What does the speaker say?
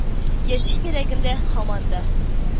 Яши йөрәгемдә һаман да